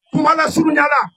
Kumanasurunyala